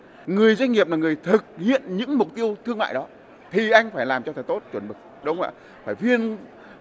người doanh nghiệp là người thực hiện những mục tiêu thương mại đó thì anh phải làm cho thật tốt chuẩn mực đúng không ạ phải thiên